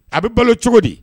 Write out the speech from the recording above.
A bɛ balo cogo di